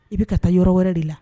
I bɛ ka taa yɔrɔ wɛrɛ de la